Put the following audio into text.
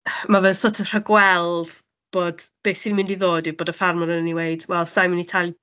Ma' fe'n sort of rhagweld, bod beth sy'n mynd i ddod yw bod y ffarmwr yn mynd i weud, "Wel, sa i'n mynd i tal-"...